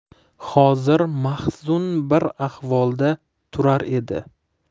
xozir mahzun bir ahvolda turar edi